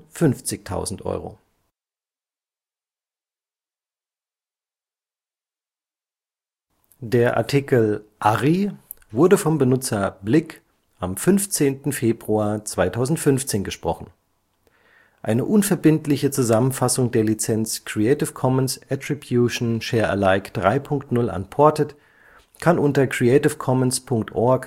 50.000 Euro